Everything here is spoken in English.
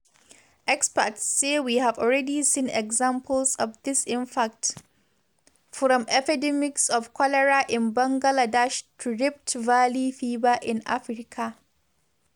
Experts say we've already seen examples of this impact, from epidemics of cholera in Bangladesh to Rift Valley fever in Africa.